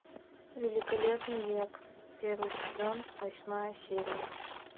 великолепный век первый сезон восьмая серия